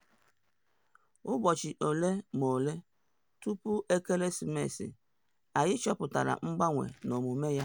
“Ụbọchị ole ma ole tupu Ekeresimesi anyị chọpụtara mgbanwe n’omume ya.